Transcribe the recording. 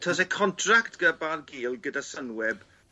Tase contract gyda Barguil gyda Sunweb